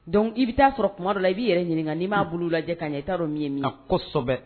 Dɔn i bɛ t'a sɔrɔ tuma la i b'i yɛrɛ ɲininka n'i m'a bolo lajɛ'a ɲɛ i t'a min ɲini kosɔ kosɛbɛ